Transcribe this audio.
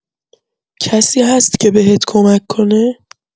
کسی هست که بهت کمک کنه؟